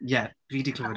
Ie fi 'di clywed...